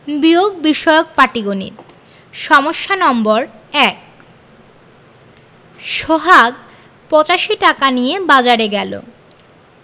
বিয়োগ বিষয়ক পাটিগনিতঃ সমস্যা নম্বর ১ সোহাগ ৮৫ টাকা নিয়ে বাজারে গেল